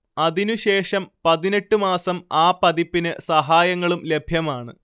അതിന് ശേഷം പതിനെട്ട് മാസം ആ പതിപ്പിന് സഹായങ്ങളും ലഭ്യമാണ്